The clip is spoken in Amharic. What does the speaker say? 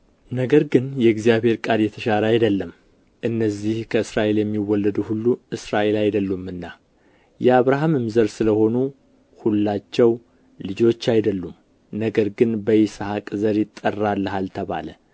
ነገር ግን የእግዚአብሔር ቃል የተሻረ አይደለም እነዚህ ከእስራኤል የሚወለዱ ሁሉ እስራኤል አይደሉምና የአብርሃምም ዘር ስለሆኑ ሁላቸው ልጆች አይደሉም ነገር ግን በይስሐቅ ዘር ይጠራልሃል ተባለ